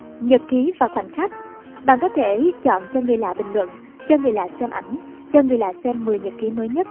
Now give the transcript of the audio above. nhật ký và khoảnh khắc bạn có thể chọn cho người lạ bình luận cho người lạ xem ảnh cho người lạ xem nhật ký mới nhất